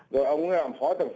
rồi ông ấy làm phó tổng